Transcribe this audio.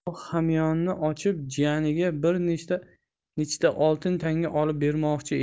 u hamyonni ochib jiyaniga bir nechta oltin tanga olib bermoqchi edi